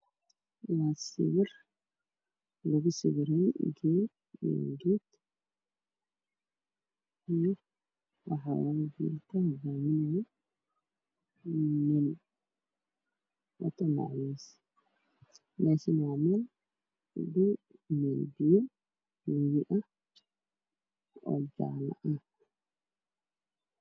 Sawirkaga iisoo dir wllsha Adigoo weli xushmad ilaalinaya